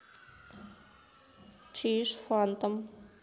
чиж фантом